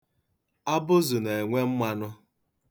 Abụzụ na-enwe mmanụ.